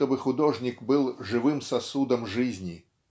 чтобы художник был живым сосудом жизни.